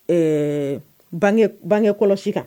Ɛɛ bange bangekɛ kɔlɔsi kan